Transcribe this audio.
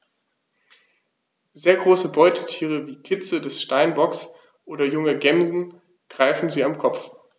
Sehr große Beutetiere wie Kitze des Steinbocks oder junge Gämsen greifen sie am Kopf.